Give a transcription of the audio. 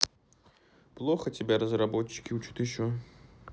плохо тебя разработчики учат еще